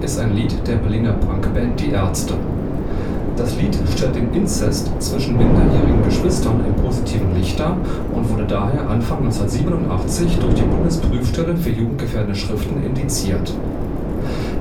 ist ein Lied der Berliner Punkband „ Die Ärzte “. Das Lied stellt den Inzest zwischen minderjährigen Geschwistern in positivem Licht dar und wurde daher Anfang 1987 durch die Bundesprüfstelle für jugendgefährdende Schriften indiziert.